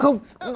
không